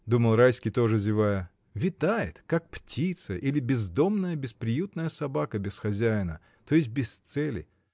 — думал Райский, тоже зевая, — витает, как птица или бездомная, бесприютная собака без хозяина, то есть без цели!